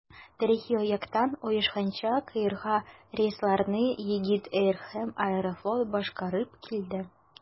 Тарихи яктан оешканча, Каирга рейсларны Egypt Air һәм «Аэрофлот» башкарып килде.